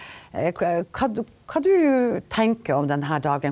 hva du hva du tenker om den her dagen?